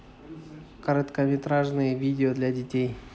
короткометражные видео для детей